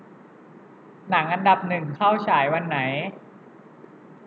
หนังอันดับหนึ่งเข้าฉายวันไหน